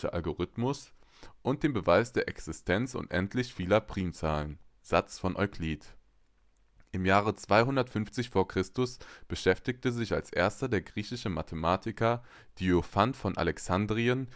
Algorithmus) und dem Beweis der Existenz unendlich vieler Primzahlen (Satz von Euklid). Im Jahre 250 v. Chr. beschäftigte sich als Erster der griechische Mathematiker Diophant von Alexandrien